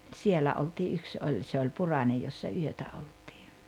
siellä oltiin yksi oli se oli Puranen jossa yötä oltiin